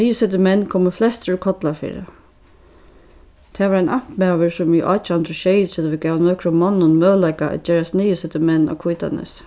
niðursetumenn komu flestir úr kollafirði tað var ein amtmaður sum í átjan hundrað og sjeyogtretivu gav nøkrum monnum møguleika at gerast niðursetumenn á hvítanesi